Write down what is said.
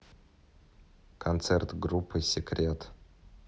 концерт группы секрет